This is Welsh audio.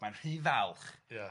Mae'n rhy falch... Ia...